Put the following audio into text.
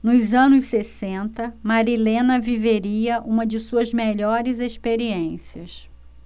nos anos sessenta marilena viveria uma de suas melhores experiências